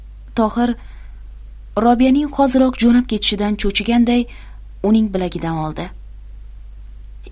tohir robiyaning hoziroq jo'nab ketishidan cho'chiganday uning bilagidan oldi